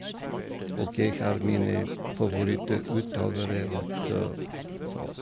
Og jeg har mine favoritt-utøvere og så.